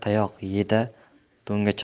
tayoq ye da do'ngga chiq